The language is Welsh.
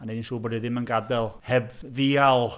A wneud yn siŵr bod e ddim yn gadael. Heb ddial.